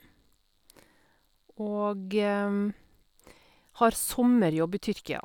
Og har sommerjobb i Tyrkia.